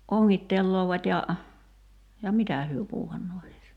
ongittelevat ja ja mitä he puuhannee hänessä